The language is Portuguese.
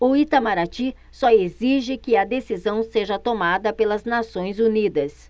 o itamaraty só exige que a decisão seja tomada pelas nações unidas